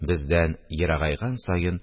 Бездән ерагайган саен,